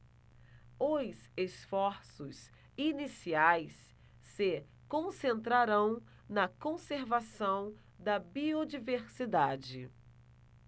os esforços iniciais se concentrarão na conservação da biodiversidade